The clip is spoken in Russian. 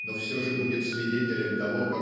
но все же будет свидетелем того